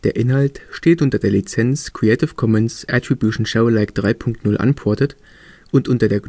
Inhalt steht unter der Lizenz Creative Commons Attribution Share Alike 3 Punkt 0 Unported und unter der